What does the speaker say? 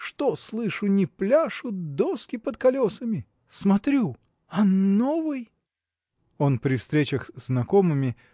что, слышу, не пляшут доски под колесами? смотрю, ан новый! Он при встречах с знакомыми